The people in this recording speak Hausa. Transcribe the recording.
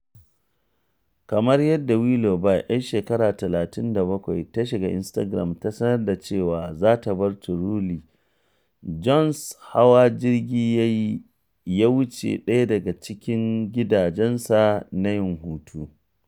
Kamar yadda Willoughby, yar shekaru 37, ta shiga Instagram ta sanar cewa za ta bar Truly, Jones hawa jirgi ya yi ya wuce ɗaya daga cikin gidajensa na yin hutu.